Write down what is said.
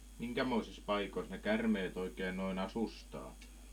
minkämoisissa paikoissa ne käärmeet oikein noin asustaa